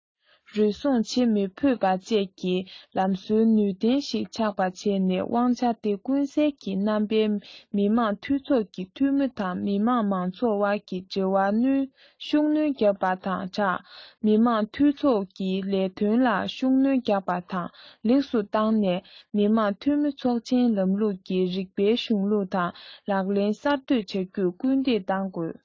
རུལ སུངས བྱེད མི ཕོད པ བཅས ཀྱི ལམ སྲོལ ནུས ལྡན ཞིག ཆགས པར བྱས ནས དབང ཆ དེ ཀུན གསལ གྱི རྣམ པའི མི དམངས འཐུས ཚོགས ཀྱི འཐུས མི དང མི དམངས མང ཚོགས དབར གྱི འབྲེལ བར ཤུགས སྣོན རྒྱག པ དང སྦྲགས མི དམངས འཐུས ཚོགས ཀྱི ལས དོན ལ ཤུགས སྣོན རྒྱག པ དང ལེགས སུ བཏང ནས མི དམངས འཐུས མི ཚོགས ཆེན ལམ ལུགས ཀྱི རིགས པའི གཞུང ལུགས དང ལག ལེན གསར གཏོད བྱ རྒྱུར སྐུལ འདེད གཏོང དགོས